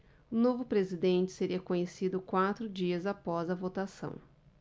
o novo presidente seria conhecido quatro dias após a votação